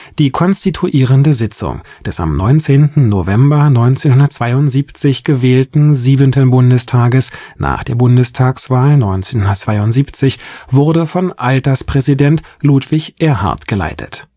Die konstituierende Sitzung des am 19. November 1972 gewählten 7. Bundestages nach der Bundestagswahl 1972 wurde von Alterspräsident Ludwig Erhard geleitet